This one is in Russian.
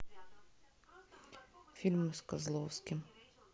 фильмы с козловским